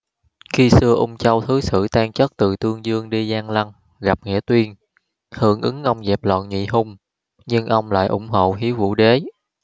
khi xưa ung châu thứ sử tang chất từ tương dương đi giang lăng gặp nghĩa tuyên hưởng ứng ông dẹp loạn nhị hung nhưng ông lại ủng hộ hiếu vũ đế